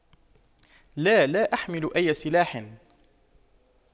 لا لا أحمل أي سلاح